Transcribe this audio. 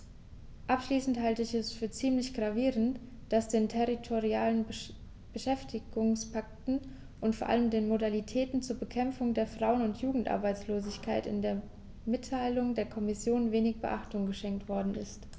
Abschließend halte ich es für ziemlich gravierend, dass den territorialen Beschäftigungspakten und vor allem den Modalitäten zur Bekämpfung der Frauen- und Jugendarbeitslosigkeit in der Mitteilung der Kommission wenig Beachtung geschenkt worden ist.